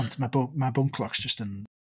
Ond ma' bow- ma' Bone Clocks jyst yn...